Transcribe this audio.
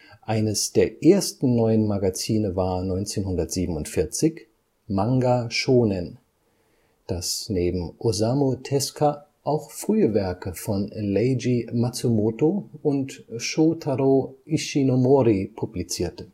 Eines der ersten neuen Magazine war 1947 Manga Shōnen, das neben Osamu Tezuka auch frühe Werke von Leiji Matsumoto und Shōtarō Ishinomori publizierte